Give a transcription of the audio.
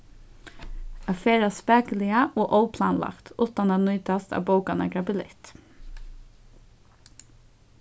at ferðast spakuliga og óplanlagt uttan at nýtast at bóka nakra billett